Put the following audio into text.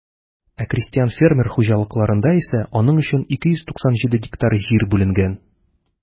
Ә крестьян-фермер хуҗалыкларында исә аның өчен 297 гектар җир бүленгән.